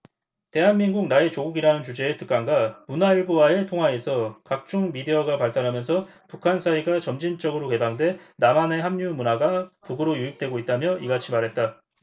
대한민국 나의 조국이라는 주제의 특강과 문화일보와의 통화에서 각종 미디어가 발달하면서 북한 사회가 점진적으로 개방돼 남한의 한류 문화가 북으로 유입되고 있다며 이같이 말했다